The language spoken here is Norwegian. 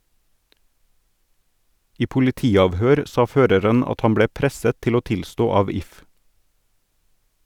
I politiavhør sa føreren at han ble presset til å tilstå av If.